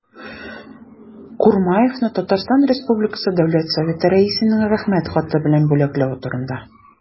И.Х. Курмаевны Татарстан республикасы дәүләт советы рәисенең рәхмәт хаты белән бүләкләү турында